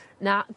na